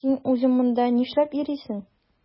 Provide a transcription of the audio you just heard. Син үзең монда нишләп йөрисең?